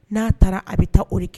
N'a taara a bɛ taa o kɛ